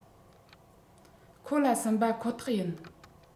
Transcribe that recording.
ཁོ ལ སུན པ ཁོ ཐག ཡིན